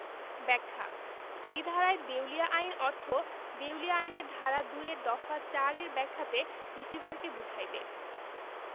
ব্যাখ্যা এই ধারায় দেউলিয়া আইন অর্থ দেউলিয়া আইনের ধারা ২ এর দফা ৪ এর ব্যাখ্যাত রিসিভারকে বুঝাইবে